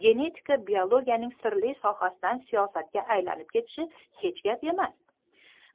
genetika biologiyaning sirli sohasidan siyosatga aylanib ketishi hech gap emas